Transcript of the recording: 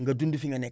nga dund fi nga nekk